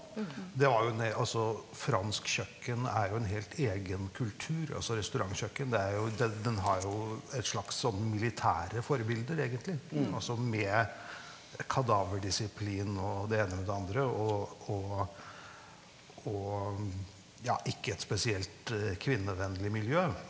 det var jo altså fransk kjøkken er jo en helt egen kultur, altså restaurantkjøkken det er jo den den har jo et slags sånn militære forbilder egentlig altså med kadaverdisiplin og det med det andre og og og ja ikke et spesielt kvinnevennlig miljø.